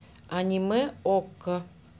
аниме окко